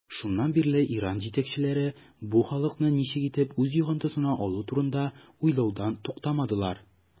Шуннан бирле Иран җитәкчеләре бу халыкны ничек итеп үз йогынтысына алу турында уйлаудан туктамадылар.